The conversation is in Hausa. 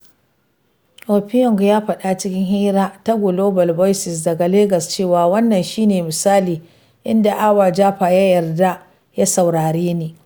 Offiong ya faɗa cikin hira da Gloval Voices daga Legas cewa. ''wannan shi ne misali, inda AWJP ya yarda ya saurare ni''